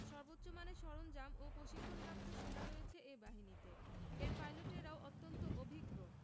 সর্বোচ্চ মানের সরঞ্জাম ও প্রশিক্ষণপ্রাপ্ত সেনা রয়েছে এ বাহিনীতে এর পাইলটেরাও অত্যন্ত অভিজ্ঞ